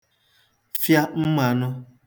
fịa mmānụ̄